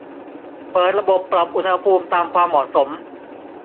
เปิดระบบปรับอุณหภูมิตามความเหมาะสม